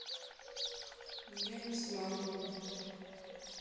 я не смогу